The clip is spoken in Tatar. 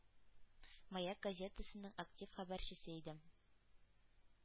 ”маяк“ газетасының актив хәбәрчесе идем